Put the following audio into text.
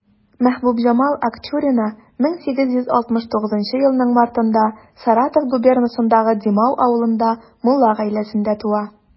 Мәхбүбҗамал Акчурина 1869 елның мартында Саратов губернасындагы Димау авылында мулла гаиләсендә туа.